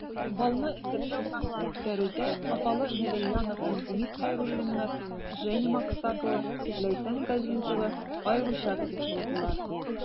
Балны әзерләү һәм үткәрүдә апалы-энеле Яна һәм Демид Хәйруллиннар, Женя Максакова, Ләйсән Газизова аеруча актив булдылар.